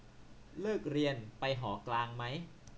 เลิกเรียนไปหอกลางมั้ย